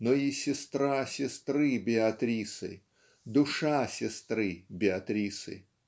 но и сестра сестры Беатрисы душа сестры Беатрисы.